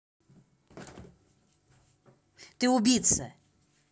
ты убийца